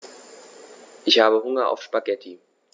Ich habe Hunger auf Spaghetti.